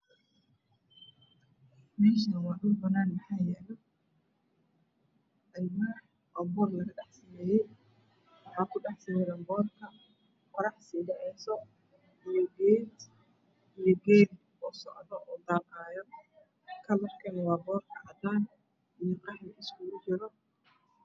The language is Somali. Meeshaan waa dhul bannaan waxa yaalo alwaax oo boor Laga sii dhex shameyay waxa kusii dhex sawiran qorrax sii dhaceyso geel socdo oo daaqayo kararkana boorta waa cadaan iyo qahwe iskugu jiro.